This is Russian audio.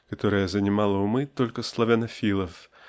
которая занимала умы только славянофилов.